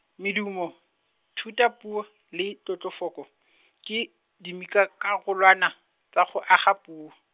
medumo, thutapuo, le tlotlofoko, ke, dimikakarolwana, tsa go aga puo.